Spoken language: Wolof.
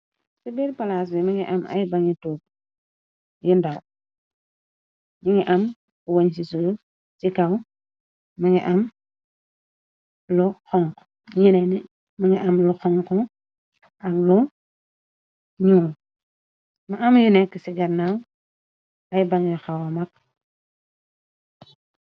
Ci biir palaas wi mi ngi am ay bangi toog yi ndaw ñi ngi am woñ ci sur ci kaw mni amu xonineeni mingi am lu xonko ak lu ñu ma am yu nekk ci jarnaw ay bangi xawa mag.